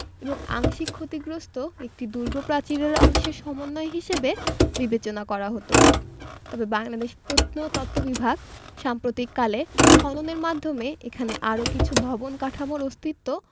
এবং আংশিক ক্ষতিগ্রস্ত একটি দুর্গ প্রাচীরের অংশের সমন্বয় হিসেবে বিবেচনা করা হতো তবে বাংলাদেশ প্রত্নতত্ত্ব বিভাগ সাম্প্রতিককালে খননের মাধ্যমে এখানে আরও কিছু ভবন কাঠামোর অস্তিত্ব